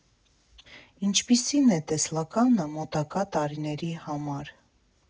Ինչպիսի՞ն է տեսլականը մոտակա տարիների համար։